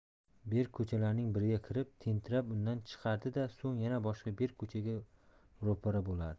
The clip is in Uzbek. berk ko'chalarning biriga kirib tentirab undan chiqardi da so'ng yana boshqa berk ko'chaga ro'para bo'lardi